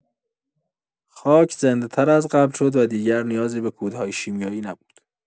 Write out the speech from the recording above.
خاک زنده‌تر از قبل شد و دیگر نیازی به کودهای شیمیایی نبود.